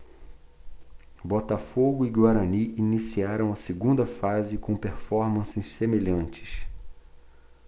botafogo e guarani iniciaram a segunda fase com performances semelhantes